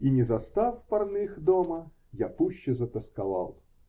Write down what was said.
И не застав Парных дома, я пуще затосковал.